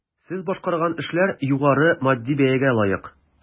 Сез башкарган эшләр югары матди бәягә лаек.